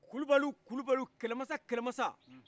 kulubaliw kulubaliw kɛlɛmasa kɛlɛmasa